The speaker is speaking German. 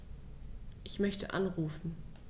Ich möchte anrufen.